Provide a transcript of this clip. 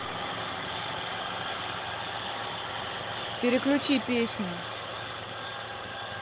переключи песню